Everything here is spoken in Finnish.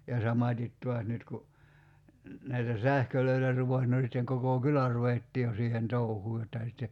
ja samaten taas nyt kun näitä sähköjä rupesi no sitten koko kylä ruvettiin jo siihen touhuun jotta sitten